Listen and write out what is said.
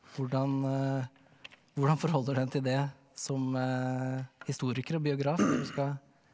hvordan hvordan forholder du deg til det som historiker og biograf når du?